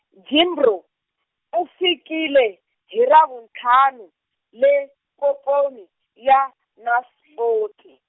Jimbro, u fikile hi ravuntlhanu, le komponi, ya Naspoti.